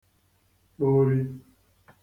kporī